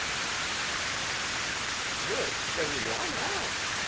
джой скажи мяу мяу